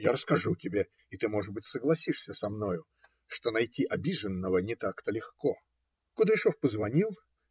я расскажу тебе, и ты, может быть, согласишься со мною, что найти обиженного не так-то легко. Кудряшов позвонил.